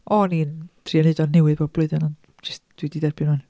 O'n i'n trio wneud o'n newydd bob blwyddyn, ond jyst dwi 'di derbyn rŵan.